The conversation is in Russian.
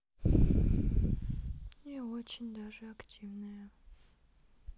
не очень даже активная